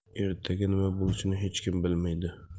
ertaga nima bo'lishini hech kim bilmaydi